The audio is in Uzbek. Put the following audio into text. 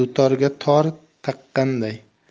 dutorga tor taqqanday